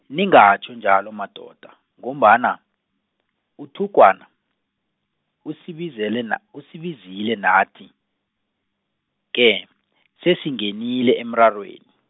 ningatjho njalo madoda, ngombana, uThugwana, usibizele na- usibizile nathi, ke, sesingenile emrarweni.